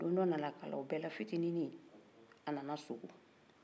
don dɔ u bɛla fitininin a nana siko